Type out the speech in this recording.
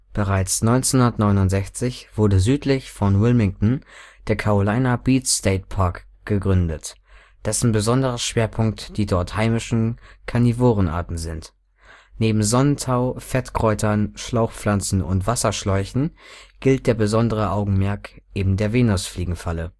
Bereits 1969 wurde südlich von Wilmington der Carolina Beach State Park gegründet, dessen besonderer Schwerpunkt die dort heimischen Karnivorenarten sind, neben Sonnentau, Fettkräutern, Schlauchpflanzen und Wasserschläuchen gilt der besondere Augenmerk eben der Venusfliegenfalle